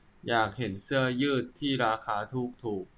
อยากเห็นเสื้อยืดที่ราคาถูกถูก